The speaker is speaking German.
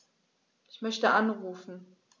Ich möchte anrufen.